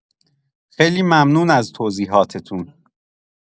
خیلی ممنون از توضیحاتتون